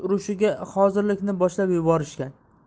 urushiga hozirlikni boshlab yuborishgan